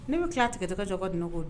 Ne bɛ tila tigɛtɛ kajɔ jɔ ka di neɔgɔ